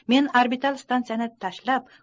men orbital stansiyani tashlab